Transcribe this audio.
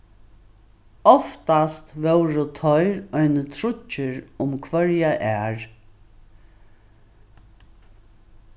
oftast vóru teir einir tríggir um hvørja ær